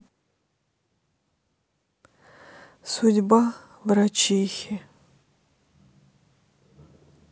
судьба врачихи